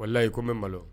Walahiyi ko n bɛ malo